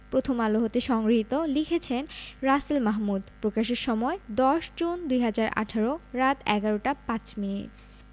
প্রথমআলো হতে সংগৃহীত লিখেছেন রাসেল মাহ্ মুদ প্রকাশের সময় ১০ জুন ২০১৮ রাত ১১টা ৫ মিনিট